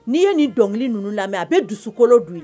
N'i ye nin dɔnkili ninnu lamɛn a bɛ dusukolo don